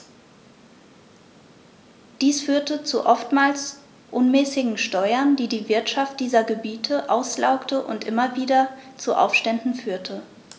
Dies führte zu oftmals unmäßigen Steuern, die die Wirtschaft dieser Gebiete auslaugte und immer wieder zu Aufständen führte.